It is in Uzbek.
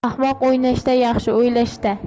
ahmoq o'ynashda yaxshi o'ylashda